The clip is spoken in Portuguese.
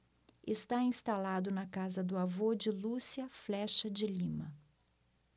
está instalado na casa do avô de lúcia flexa de lima